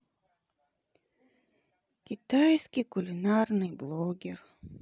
китайский кулинарный блогер